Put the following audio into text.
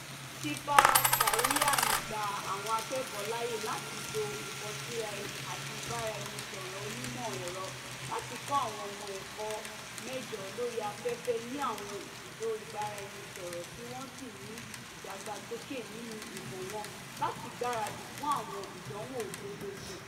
Shilpa Sayura ń gba àwọn akẹ́kọ̀ọ́ láyé láti lo ìkànsíraẹni àti ìbáraẹnisọ̀rọ̀ onímọ̀-ẹ̀rọ láti kọ́ àwọn ẹ̀kọ́ 8 lórí afẹ́fẹ́ ní àwọn ibùdó ìbáraẹnisọ̀rọ̀ tí wọ́n sì ń ní ìdàgbàsókè nínú ìmọ̀ wọn láti gbáradì fún àwọn ìdánwò gbogbogbò.